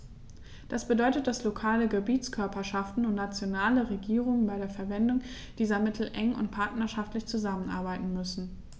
Das bedeutet, dass lokale Gebietskörperschaften und nationale Regierungen bei der Verwendung dieser Mittel eng und partnerschaftlich zusammenarbeiten müssen.